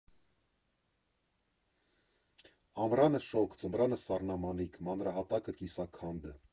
Ամռանը՝ շոգ, ձմռանը՝ սառնամանիք, մանրահատակը՝ կիսաքանդ…